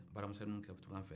ka baara misɛnw kɛ tunga fɛ